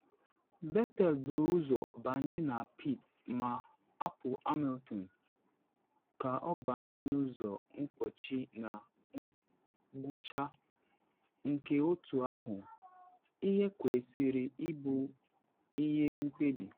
Vettel buru ụzọ banye na pit ma hapụ Hamilton ka ọ banye n’ụzọ mkpọchi na ngwụcha nke otu ahụ, ihe kwesịrị ịbụ ihe mkpebi.